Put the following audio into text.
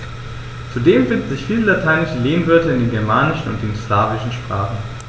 Zudem finden sich viele lateinische Lehnwörter in den germanischen und den slawischen Sprachen.